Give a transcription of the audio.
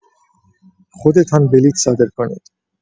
خودتان بلیت صادر کنید.